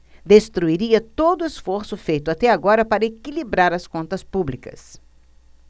destruiria todo esforço feito até agora para equilibrar as contas públicas